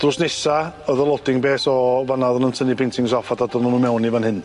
Drws nesa o'dd y loading bês o fan 'na o'ddwn nw'n tynnu paintings off a dod â nw nw mewn i fan hyn.